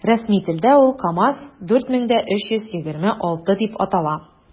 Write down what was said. Рәсми телдә ул “КамАЗ- 4326” дип атала.